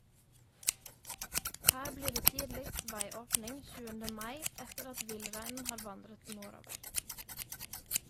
Her blir det tidligst veiåpning 20. mai etter at villreinen har vandret nordover.